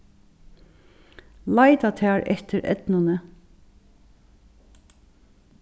leita tær eftir eydnuni